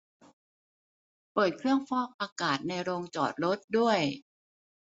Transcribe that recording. เปิดเครื่องฟอกอากาศในโรงจอดรถด้วย